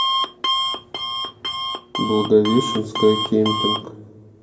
благовещенская кемпинг